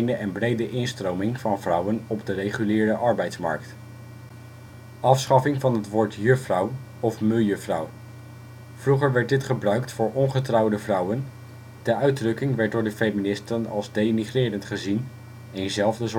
en brede instroming van vrouwen op de reguliere arbeidsmarkt. Afschaffing van het woord " juffrouw " of " mejuffrouw ". Vroeger werd dit gebruikt voor ongetrouwde vrouwen, de uitdrukking werd door de feministen als denigrerend gezien, eenzelfde